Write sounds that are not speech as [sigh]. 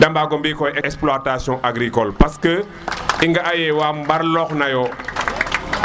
de bago mbi iko yo exploitation agricole parce que i nga a ye wa mbar loox na yo [applause]